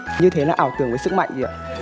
như thế là ảo tưởng với sức mạnh gì ạ